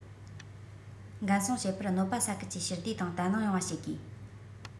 འགན སྲུང བྱེད པར གནོད པ ས ཁུལ གྱི ཞི བདེ དང བརྟན ལྷིང ཡོང བ བྱེད དགོས